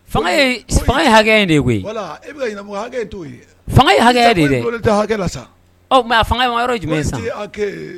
Hakɛ de hakɛ fanga jumɛn